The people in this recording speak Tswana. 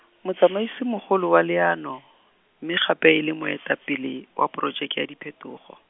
motsamaisi mogolo wa leano, mme gape e le moetapele, wa porojeke ya diphetogo.